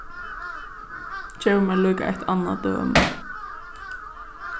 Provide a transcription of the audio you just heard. gev mær líka eitt annað dømi